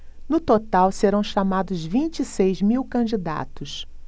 no total serão chamados vinte e seis mil candidatos